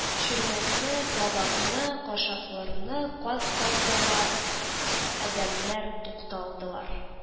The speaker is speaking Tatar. Чүлмәкне, табакны, кашыкларны кат-кат ялап, адәмнәр тукталдылар